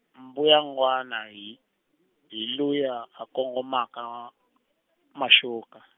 mbuyangwana hi , hi luyaa a kongoma maxuka.